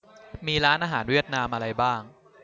มีร้านอาหารเวียดนามอะไรบ้าง